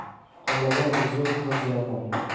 qilig'i buzuq qiz yomon